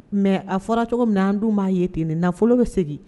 Mɛ a fɔra cogo min na an dun b'a ye teneni nafolo bɛ segin